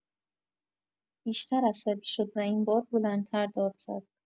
بیشتر عصبی شد و این بار بلندتر داد زد